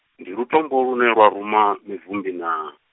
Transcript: ndi lutombo lune lwa ruma mibvumbi naa?